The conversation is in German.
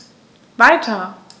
Weiter.